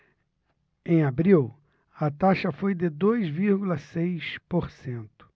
em abril a taxa foi de dois vírgula seis por cento